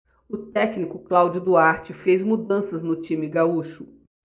o técnico cláudio duarte fez mudanças no time gaúcho